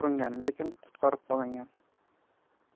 o'ldirishga uringan lekin qutqarib qolingan